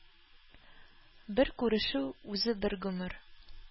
Бер күрешү үзе бер гомер.